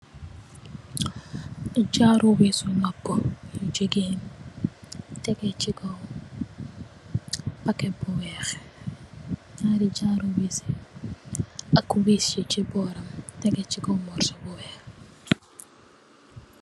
Jaaru wissu nopu yu gigain, tehgeh chi kaw packet bu wekh, njaari jaaru wiss ak ku wiss yu chi bohram tehgeh chi kaw morsoh bu wekh.